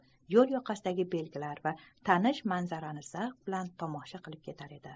yo'l yoqasidagi belgilar va tanish manzarani zavq bilan tomosha qilib ketar edi